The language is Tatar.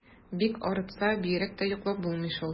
Бик арытса, бигрәк тә йоклап булмый шул.